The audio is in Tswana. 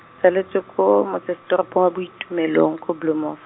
tsaletswe ko motse setoropong wa Boitumelong ko Bloemhof.